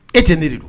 E tɛ ne de don